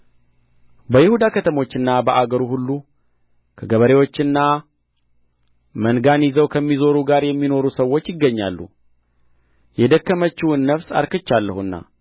በይሁዳ ከተሞችና በአገሩ ሁሉ ከገበሬዎችና መንጋን ይዘው ከሚዞሩ ጋር የሚኖሩ ሰዎች ይገኛሉ የደከመችውን ነፍስ አርክቻለሁና